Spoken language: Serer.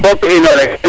fop ino rek